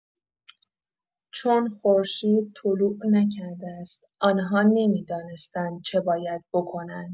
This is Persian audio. چون خورشید طلوع نکرده است، آن‌ها نمی‌دانستند چه باید بکنند.